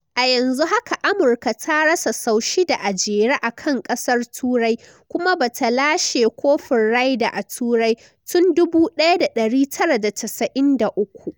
A yanzu haka Amurka ta rasa sau shida a jere akan kasar Turai kuma ba ta lashe kofin Ryder a Turai tun 1993.